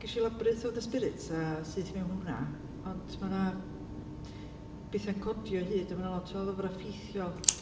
Ges i Labyrinth of the Spirits a syth i mewn i hwnna. Ond mae 'na bethau'n codi o hyd a mae 'na lot o lyfrau ffeithiol.